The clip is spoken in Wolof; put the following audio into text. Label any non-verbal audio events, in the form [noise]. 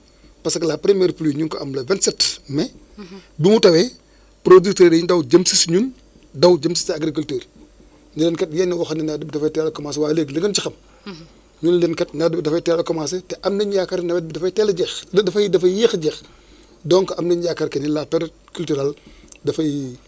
maanaam premier ministre yi ñun ñëpp ñun ñooy bokk toog ak les chefs du service régionaux ñu def benn kii benn benn benn genre kii quoi [hesitation] réunion kii la ñu ko tuddee quoi breafing réunion boobu daf ñuy permettre ñun kenn ku ci nekk indi sa xalaat ñu waxtaan bon ba vraiment mën a jublu ci perspectives yi nga xamante ne bi moom la ñu am pour après midi jour boobu